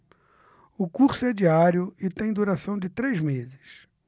o curso é diário e tem duração de três meses